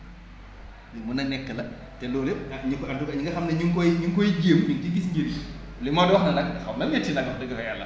lu mun a nekk la te loolu ah ñi ko en tout cas ñi nga xam ne ñu ngi koy ñi ngi koy jéem dañ ciy gis njariñ li Maodo wax ne nag nag xaw na métti nag wax dëgg fa Yàlla